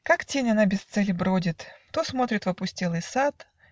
Как тень она без цели бродит, То смотрит в опустелый сад.